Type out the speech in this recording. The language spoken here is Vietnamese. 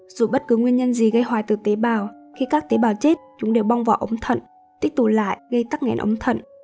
dù bất cứ nguyên nhân gì gây hoại tử tế bào khi các tế bào chết chúng đều bong vào ống thận tích tụ lại gây tắc nghẽn ống thận